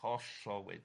Hollol wyn.